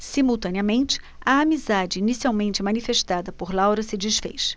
simultaneamente a amizade inicialmente manifestada por laura se disfez